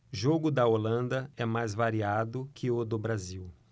jogo da holanda é mais variado que o do brasil